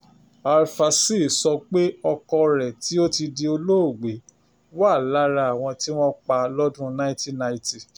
Alpha Sy sọ pé ọkọ rẹ̀ tí ó ti di olóògbé wà lára àwọn tí wọ́n pa lọ́dún 1990.